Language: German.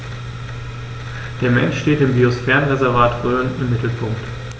Der Mensch steht im Biosphärenreservat Rhön im Mittelpunkt.